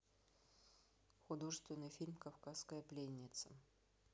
художественный фильм кавказская пленница